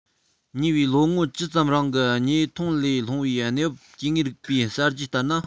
ཉེ བའི ལོ ངོ བཅུ ཙམ རིང གི རྙེད མཐོང ལས སློང བའི གནའ རབས སྐྱེ དངོས རིག པའི གསར བརྗེ ལྟར ན